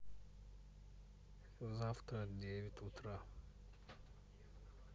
государство отправляет на поселения в красноармейск саратовской области